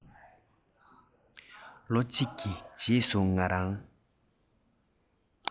ལོ གཅིག གི རྗེས སུ ང རང